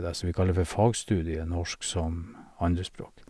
Det som vi kaller for fagstudiet norsk som andrespråk.